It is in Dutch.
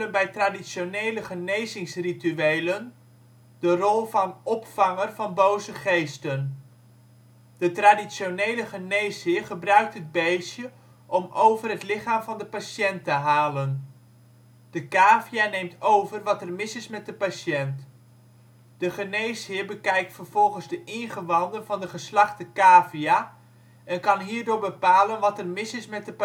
bij traditionele genezingsrituelen de rol van opvanger van boze geesten. De traditionele geneesheer gebruikt het beestje om over het lichaam van de patiënt te halen, de cavia neemt over wat er mis is met de patiënt. De geneesheer bekijkt vervolgens de ingewanden van de geslachte cavia en kan hierdoor bepalen wat er mis is met de